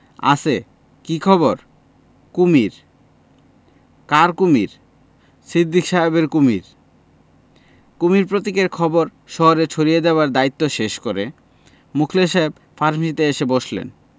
আছে কি খবর কুমীর কার কুমীর সিদ্দিক সাহেবের কুমীর কুমীর প্রতীকের খবর শহরে ছড়িয়ে দেবার দায়িত্ব শেষ করে মুখলেস সাহেব ফার্মেসীতে এসে বসলেন